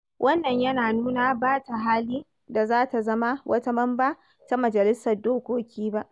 Wannan yana nuna ba ta hali da za ta zama wata Mamba ta Majalisar Dokoki ba.